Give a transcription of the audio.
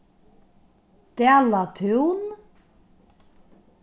dalatún